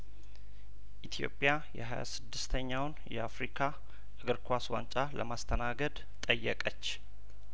ኢትዮጵያ የሀያ ስድስተኛውን የአፍሪካ እግር ኳስ ዋንጫ ለማስተናገድ ጠየቀች